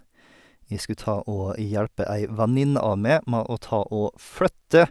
Jeg skulle ta og hjelpe ei venninne av meg med å ta og flytte.